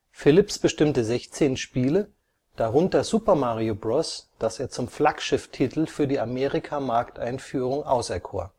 Phillips bestimmte 16 Spiele, darunter Super Mario Bros., das er zum Flaggschiff-Titel für die Amerika-Markteinführung des NES auserkor